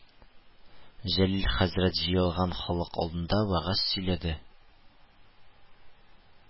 Җәлил хәзрәт җыелган халык алдында вәгазь сөйләде